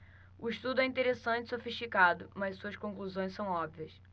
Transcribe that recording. o estudo é interessante e sofisticado mas suas conclusões são óbvias